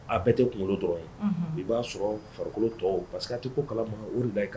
A bɛɛ tɛ kunkolo dɔrɔn ye i b'a sɔrɔ farikolo tɔ pa parce que ka tɛ ko kalama olu la kan